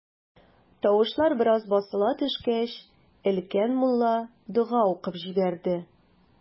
Тавышлар бераз басыла төшкәч, өлкән мулла дога укып җибәрде.